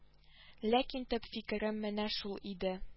Ләкин төп фикерем менә шул иде